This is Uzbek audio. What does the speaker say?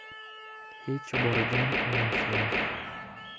hech borgan emasman